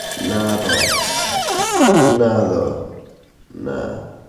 Naddo. Naddo. Na.